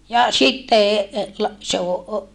ja sitten - se on